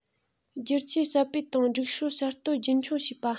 བསྒྱུར བཅོས ཟབ སྤེལ དང སྒྲིག སྲོལ གསར གཏོད རྒྱུན འཁྱོངས བྱེད པ